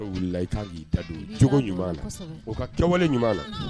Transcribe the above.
Ii cogo ɲuman o ka kɛwale ɲuman la